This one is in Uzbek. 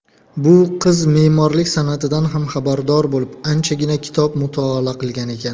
bu qiz memorlik sanatidan ham xabardor bo'lib anchagina kitob mutolaa qilgan ekan